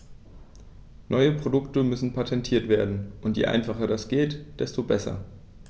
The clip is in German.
Neue Produkte müssen patentiert werden, und je einfacher das geht, desto besser.